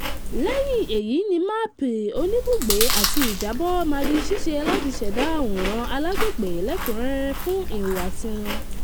Lẹ́hìn èyí ní máàpù oníbùgbé àti ìjábọ̀ máa di ṣiṣe láti ṣẹ̀dá àwòràn alágbègbè lẹ́kúnrẹ́rẹ́ fún ìhùwàsí wọn.